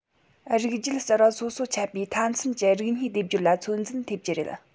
རིགས རྒྱུད གསར པ སོ སོ ཁྱབ པའི མཐའ མཚམས ཀྱི རིགས གཉིས སྡེབ སྦྱོར ལ ཚོད འཛིན ཐེབས རྒྱུ རེད